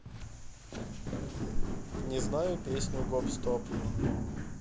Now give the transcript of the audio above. не знаю песню гоп стоп